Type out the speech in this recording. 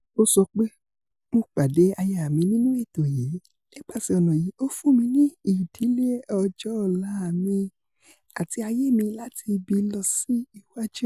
Ó s̵ọpé 'Mo pàde aya mi nínú ètò yìì, nípasè́ ọ̀nà yii ó fún mi ní ìdílé ọjọ́ ọ̀la mi, àti ayé mi láti ibí losi iwaju’